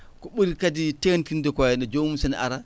ko ɓuri kadi teeŋtinde ko wayi no jomum si no ara